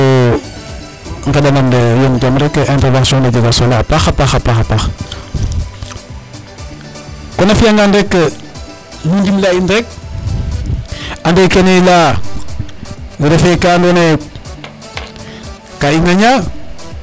ŋedanan yong jam rek intervention ne jega solo a paxa paax konn a fiya ngan rek nu ndimle a in rek ande kene i leya refe ka ando naye ka i ŋaña